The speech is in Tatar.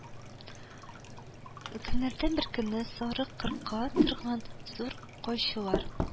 Көннәрдән бер көнне сарык кырка торган зур кайчылар